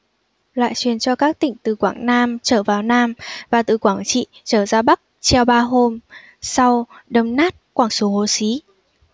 lại truyền cho các tỉnh từ quảng nam trở vào nam và từ quảng trị trở ra bắc treo ba hôm sau đâm nát quẳng xuống hố xí